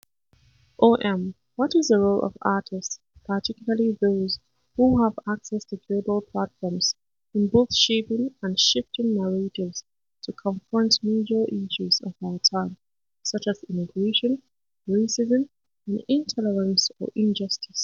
OM: What is the role of artists, particularly those who have access to global platforms in both shaping and shifting narratives to confront major issues of our time, such as immigration, racism and intolerance/injustice?